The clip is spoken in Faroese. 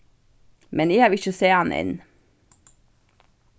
men eg havi ikki sæð hann enn